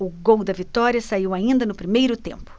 o gol da vitória saiu ainda no primeiro tempo